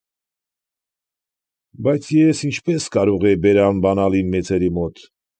Բայց ես ինչպես կարող էի բերան բանալ իմ մեծերի մոտ։